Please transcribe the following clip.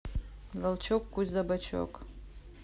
волчок кусь за бочок